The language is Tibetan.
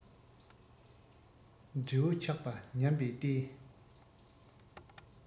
འབྲས བུ ཆགས པ ཉམས པའི ལྟས